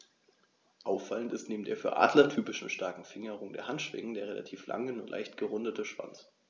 Auffallend ist neben der für Adler typischen starken Fingerung der Handschwingen der relativ lange, nur leicht gerundete Schwanz.